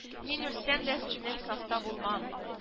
Мин үлсәм дә сезнең сафта булмам…